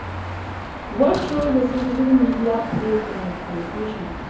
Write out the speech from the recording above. What role do citizen media play in your profession?